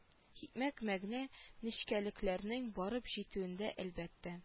Хикмәт мәгънә нечкәлекләренең барып җитүендә әлбәттә